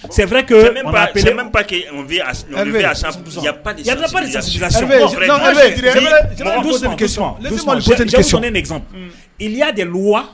Sen de wa